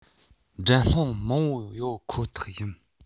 འགྲན སློང མང པོ ཡོད ཁོ ཐག ཡིན